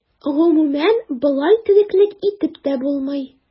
Гомумән, болай тереклек итеп тә булмый.